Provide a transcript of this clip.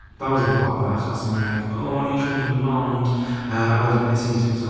That was a palava achos o'n i like "o o'n i eisiau mynd yn blond" a wedyn es i i TikTok